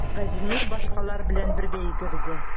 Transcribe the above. Газинур башкалар белән бергә йөгерде.